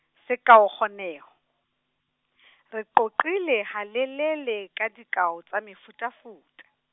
sekaokgoneho , re qoqile halelele ka dikao tsa mefutafuta.